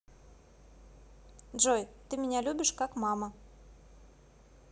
джой ты меня любишь как мама